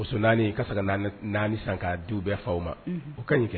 Muso 4 in , i ka se ka 4 san ka di u bɛɛ faw ma, o ka ɲi kɛ